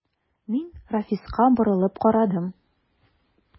Мин Рафиска борылып карадым.